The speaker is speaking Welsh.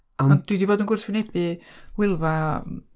Ond... Dwi 'di bod yn gwrthwynebu Wylfa.